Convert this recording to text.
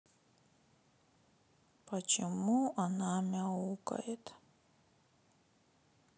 почему она мяукает